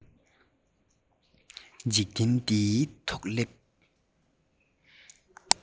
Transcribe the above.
འཇིག རྟེན འདིའི ཐོག སླེབས